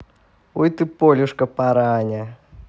ой ты полюшка параня